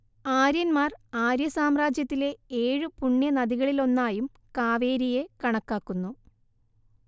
ആര്യന്മാർ ആര്യസാമ്രാജ്യത്തിലെ ഏഴു പുണ്യ നദികളിലൊന്നായും കാവേരിയെ കണക്കാക്കുന്നു